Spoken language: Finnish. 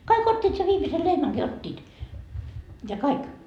kaikki ottivat sen viimeisen lehmänkin ottivat ja kaikki